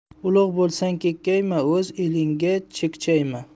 ulug' bo'lsang kekkayma o'z elingga chekchayma